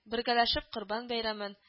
Бергәләшеп корбан бәйрәмен